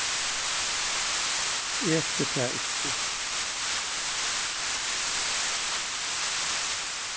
etið tað ikki